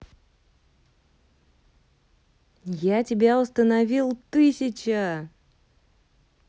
я тебя установил тысяча